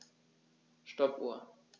Stoppuhr.